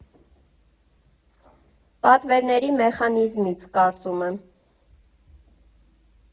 Պատվերների մեխանիզմից, կարծում եմ։